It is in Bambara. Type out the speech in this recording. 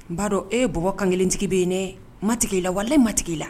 N b'a dɔn e bɔ kankelentigi bɛ yen ne matigi i la walen ma tigi' i la